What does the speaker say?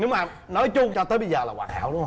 nhưng mà nói chung cho tới bây giờ là hoàn hảo đúng không